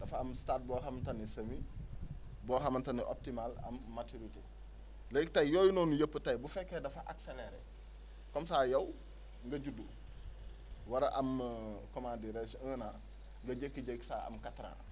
dafa am stade boo xam te ni semis boo xamante ni optimal am maturité léegi tey yooyu noonu yëpp tey bu fekkee dafa accéléré comme ça yow nga judd war a am comment dirais je un an nga jékki-jékki saa am quatre ans